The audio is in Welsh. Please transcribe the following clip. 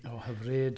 O, hyfryd.